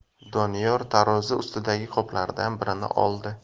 doniyor tarozi ustidagi qoplardan birini oldi